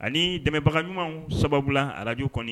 Ani dɛmɛbaga ɲumanw sababu la araj kɔni